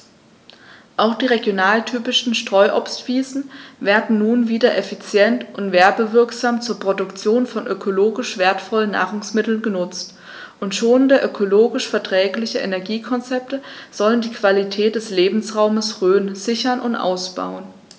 Auch die regionaltypischen Streuobstwiesen werden nun wieder effizient und werbewirksam zur Produktion von ökologisch wertvollen Nahrungsmitteln genutzt, und schonende, ökologisch verträgliche Energiekonzepte sollen die Qualität des Lebensraumes Rhön sichern und ausbauen.